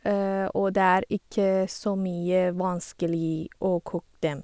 Og det er ikke så mye vanskelig å kok dem.